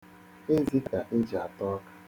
Eze ka e ji ata ọka.